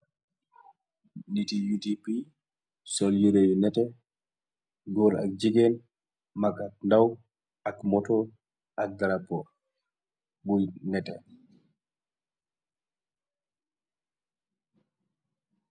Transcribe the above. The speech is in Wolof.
Niti udp sol yiré yu nete, góor ak jégéen, mag ak ndaw ak moto ak garapor bu neté.